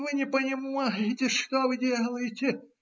- Вы не понимаете, что вы делаете!